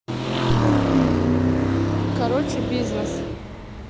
короче бизнес